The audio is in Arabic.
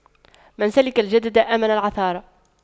من سلك الجدد أمن العثار